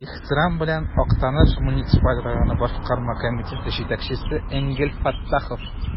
Ихтирам белән, Актаныш муниципаль районы Башкарма комитеты җитәкчесе Энгель Фәттахов.